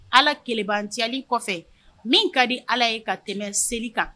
Ala kecli kɔfɛ min ka di ala ye ka tɛmɛ seli kan